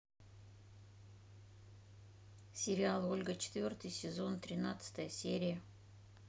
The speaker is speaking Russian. сериал ольга четвертый сезон тринадцатая серия